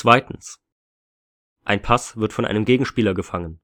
Ein Pass wird von einem Gegenspieler gefangen